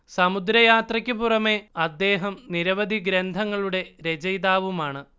സമുദ്ര യാത്രക്ക് പുറമെ അദ്ദേഹം നിരവധി ഗ്രന്ഥങ്ങളുടെ രചയിതാവുമാണ്